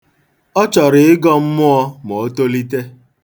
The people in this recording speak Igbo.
Ọ chọrọ ịgọ mmụọ ma o tolite.